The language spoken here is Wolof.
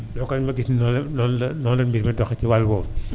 yokkal ma gis ni noonu la noonu la mbir mi doxee ci wàll boobu